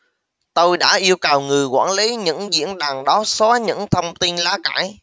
tôi đã yêu cầu người quản lý những diễn đàn đó xóa những thông tin lá cải